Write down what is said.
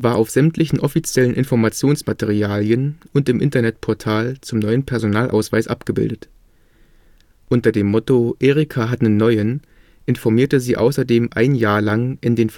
auf sämtlichen offiziellen Informationsmaterialien und im Internetportal zum neuen Personalausweis abgebildet. Unter dem Motto „ Erika hat ' nen Neuen “informierte sie außerdem ein Jahr lang in den